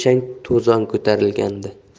chang to'zon ko'tarilgandi